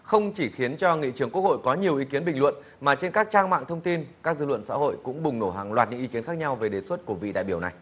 không chỉ khiến cho nghị trường quốc hội có nhiều ý kiến bình luận mà trên các trang mạng thông tin các dư luận xã hội cũng bùng nổ hàng loạt những ý kiến khác nhau về đề xuất của vị đại biểu này